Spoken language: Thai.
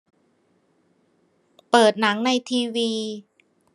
เปิดหนังในทีวี